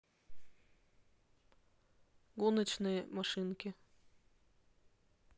гоночные машинки